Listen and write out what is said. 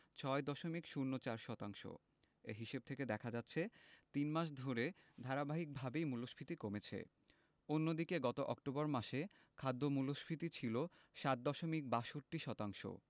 ৬ দশমিক ০৪ শতাংশ এ হিসাব থেকে দেখা যাচ্ছে তিন মাস ধরে ধারাবাহিকভাবেই মূল্যস্ফীতি কমেছে অন্যদিকে গত অক্টোবর মাসে খাদ্য মূল্যস্ফীতি ছিল ৭ দশমিক ৬২ শতাংশ